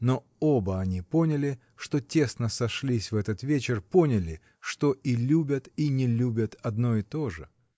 но оба они поняли, что тесно сошлись в этот вечер, поняли, что и любят и не любят одно и то же.